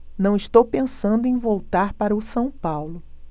não estou pensando em voltar para o são paulo